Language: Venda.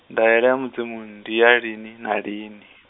ndaela ya Mudzimu ndi ya lini na lini.